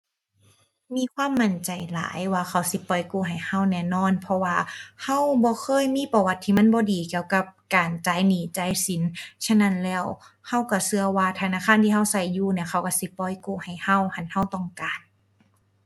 มีความมั่นใจหลายว่าเขาสิปล่อยกู้ให้เราแน่นอน เพราะว่าเราบ่เคยมีประวัติที่มันบ่ดีเกี่ยวกับการจ่ายหนี้ จ่ายสิน ฉะนั้นแล้วเราเราเราว่าธนาคารที่เราเราอยู่เนี่ยเขาเราสิปล่อยกู้ให้เรา คันเราต้องการ